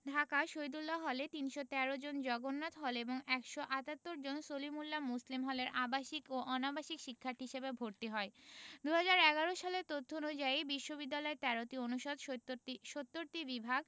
ঢাকা শহীদুল্লাহ হলে ৩১৩ জন জগন্নাথ হলে এবং ১৭৮ জন সলিমুল্লাহ মুসলিম হলের আবাসিক ও অনাবাসিক শিক্ষার্থী হিসেবে ভর্তি হয় ২০১১ সালের তথ্য অনুযায়ী বিশ্ববিদ্যালয়ে ১৩টি অনুষদ সইত্তরতি ৭০টি বিভাগ